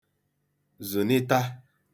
zụ̀nita